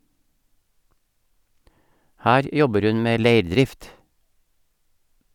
Her jobber hun med leirdrift.